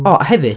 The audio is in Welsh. O, a hefyd.